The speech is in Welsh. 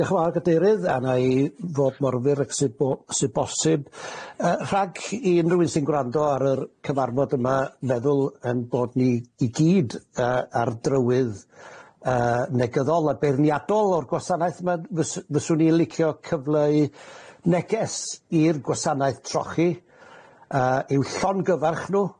Diolch yn fawr Gadeirydd a wna i fod mor fyr ag sy bo- sy bosib yy rhag i unrywun sy'n gwrando ar yr cyfarfod yma feddwl 'yn bod ni i gyd yy ar drywydd yy negyddol a beirniadol o'r gwasanaeth yma fys- fyswn i licio cyfleu neges i'r gwasanaeth trochi yy i'w llongyfarch nw